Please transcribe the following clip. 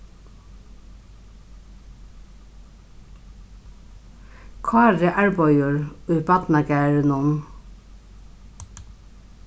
kári arbeiðir í barnagarðinum